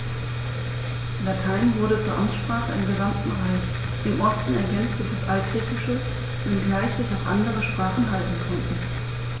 Latein wurde zur Amtssprache im gesamten Reich (im Osten ergänzt durch das Altgriechische), wenngleich sich auch andere Sprachen halten konnten.